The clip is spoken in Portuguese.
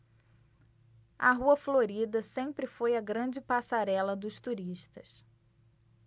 a rua florida sempre foi a grande passarela dos turistas